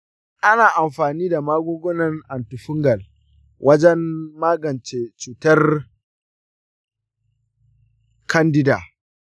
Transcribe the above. ana amfani da magungunan antifungal wajen magance cutar candida.